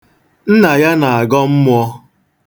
Nna ya na-agọ mmụọ.